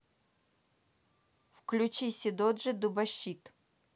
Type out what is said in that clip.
включи сидоджи дубощит